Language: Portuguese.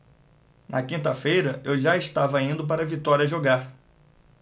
na quinta-feira eu já estava indo para vitória jogar